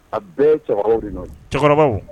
A bɛɛ cɛkɔrɔba de nɔ cɛkɔrɔbaw